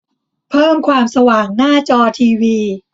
เพิ่มความสว่างหน้าจอทีวี